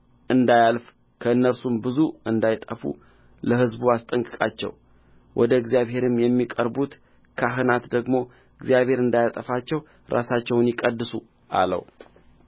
እንዳያልፉ ከእነርሱም ብዙ እንዳይጠፉ ለሕዝቡ አስጠንቅቃቸው ወደ እግዚአብሔርም የሚቀርቡት ካህናት ደግሞ እግዚአብሔር እንዳያጠፋቸው ራሳቸውን ይቀድሱ አለው